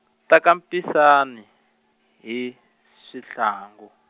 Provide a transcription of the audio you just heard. ta ka Mpisane, hi, Sihlangu.